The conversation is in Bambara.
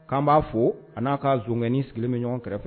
K'an b'a fɔ a n'a k ka zgɛni sigilen bɛ ɲɔgɔn kɛrɛfɛ